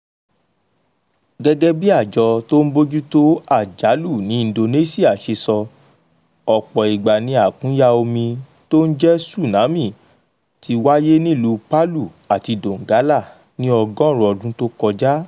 Gẹ́gẹ́ bí Àjọ Tó Ń Bójú Tó Àjálù ní Indonesia ṣe sọ, ọ̀pọ̀ ìgbà ni àkúnya omi tó ń jẹ́ tsunami ti wáyé nílùú Palu àti Donggala ní ọgọ́rùn-ún ọdún tó kọjá.